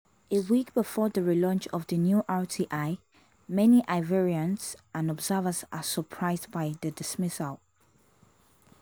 A week before the relaunch of the new RTI, many Ivorians and observers are surprised by the dismissal.